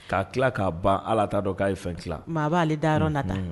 K'a tila k'a ban ala ta dɔn k'a ye fɛn tila maa b'aale dayɔrɔ nata